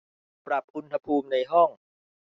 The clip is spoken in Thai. ปรับอุณหภูมิในห้อง